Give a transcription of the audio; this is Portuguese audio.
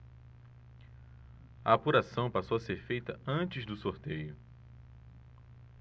a apuração passou a ser feita antes do sorteio